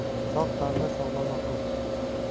sog' tanda sog'lom aql